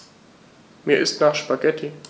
Mir ist nach Spaghetti.